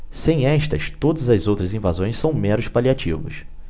sem estas todas as outras invasões são meros paliativos